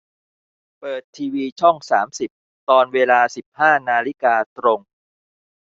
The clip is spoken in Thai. เปิดทีวีช่องสามสิบตอนเวลาสิบห้านาฬิกาตรง